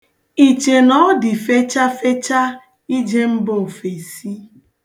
I che na ọ dị fechafecha ije mba ofesi?.